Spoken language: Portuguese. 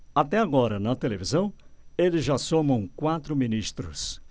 até agora na televisão eles já somam quatro ministros